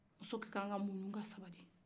muso ka ka kan ka muɲu ka sabali